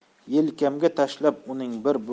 yelkamga tashlab uning bir